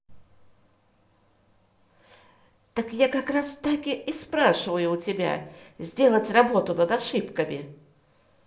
так я как раз таки и спрашиваю у тебя сделать работу над ошибками